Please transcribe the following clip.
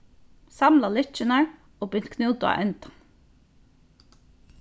samla lykkjurnar og bint knút á endan